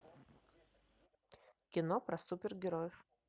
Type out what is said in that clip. кино про супергероев